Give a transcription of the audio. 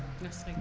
gastrique